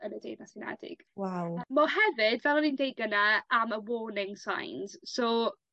yn y Deyrnas Unedig. Waw. M'o hefyd fel o'n i'n deud gynne am y warning signs so